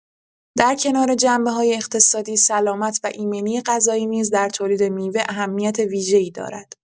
در کنار جنبه‌های اقتصادی، سلامت و ایمنی غذایی نیز در تولید میوه اهمیت ویژه‌ای دارد.